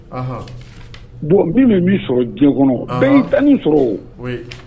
Ɔnhɔn. Bon Min bɛ min sɔrɔ diɲɛ kɔnɔ. Bɛɛ y'i tani sɔrɔ o.